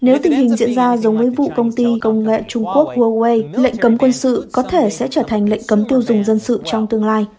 nếu tình hình diễn ra giống với vụ công ty công nghệ trung quốc huơ uây lệnh cấm quân sự có thể sẽ thành lệnh cấm tiêu dùng dân sự trong tương lai